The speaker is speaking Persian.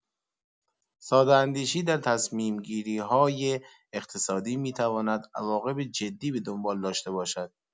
ساده‌اندیشی در تصمیم‌گیری‌های اقتصادی می‌تواند عواقب جدی به دنبال داشته باشد.